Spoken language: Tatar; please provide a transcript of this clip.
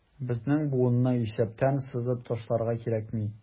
Безнең буынны исәптән сызып ташларга кирәкми.